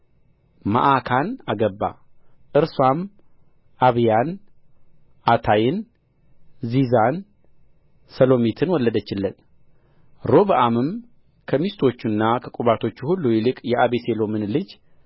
መዓካን አገባ እርስዋም አብያን ዓታይን ዚዛን ሰሎሚትን ወለደችለት ሮብዓምም ከሚስቶቹና ከቁባቶቹ ሁሉ ይልቅ የአቤሴሎምን ልጅ